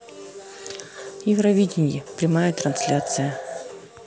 евровидение прямая трансляция